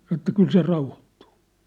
sanoi että kyllä se rauhoittuu